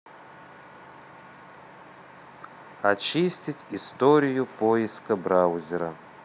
очистить историю поиска браузера